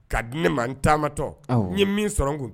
Ka di ne ma n taamatɔ awɔ n ye min sɔrɔ kun